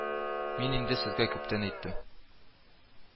Мин инде сезгә күптән әйттем